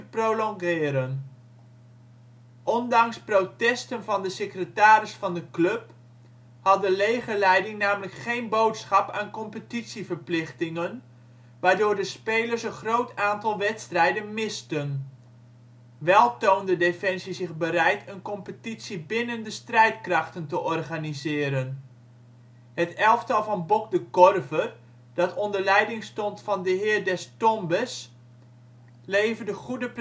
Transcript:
prolongeren. Ondanks protesten van de secretaris van de club had de legerleiding namelijk geen boodschap aan competitieverplichtingen, waardoor de spelers een groot aantal wedstrijden misten. Wel toonde Defensie zich bereid een competitie binnen de strijdkrachten te organiseren. Het elftal van Bok de Korver, dat onder leiding stond van de heer Des Tombes, leverde goede